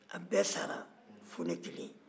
a bɛɛ sara fɔ ne kelen